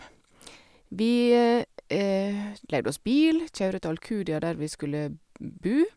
Vi leide oss bil, kjørte til Alcudia, der vi skulle bo.